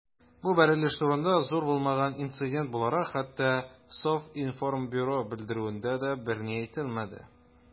Бу бәрелеш турында, зур булмаган инцидент буларак, хәтта Совинформбюро белдерүендә дә берни әйтелмәде.